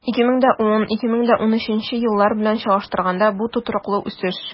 2010-2013 еллар белән чагыштырганда, бу тотрыклы үсеш.